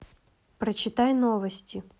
прочитай новости